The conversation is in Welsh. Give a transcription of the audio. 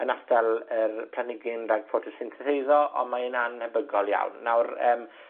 yn atal yr planhigyn rhag ffotosynthyseiddo, ond mae'n annhebygol iawn. Nawr, yym,